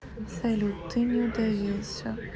салют ты не удавился